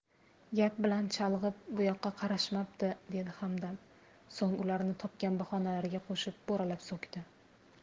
gap bilan chalg'ib bu yoqqa qarashmabdi dedi hamdam so'ng ularni topgan bahonalariga qo'shib bo'ralab so'kdi